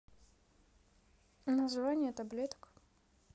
название таблеток